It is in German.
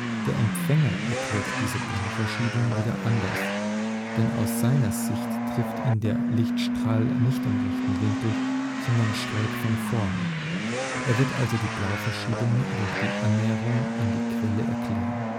Der Empfänger erklärt diese Blauverschiebung wieder anders, denn aus seiner Sicht trifft ihn der Lichtstrahl nicht im rechten Winkel, sondern schräg von vorn. Er wird also die Blauverschiebung durch die Annäherung an die Quelle erklären